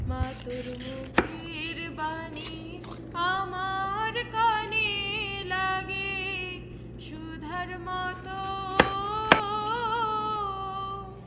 মা তোর মুখের বাণী আমার কানে লাগে সুধার মতো